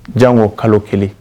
Jaŋo kalo 1